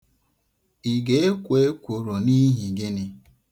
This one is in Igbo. Ị ga-ekwo ekworo n'ihi gịnị?